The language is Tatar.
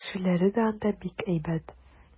Кешеләре дә анда бик әйбәт.